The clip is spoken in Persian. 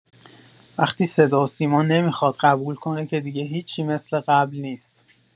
وقتی صداوسیما نمیخواد قبول کنه که دیگه هیچی مثل قبل نیست